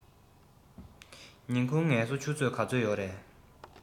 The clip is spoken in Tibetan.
ཉིན གུང ངལ གསོ ཆུ ཚོད ག ཚོད ཡོད རས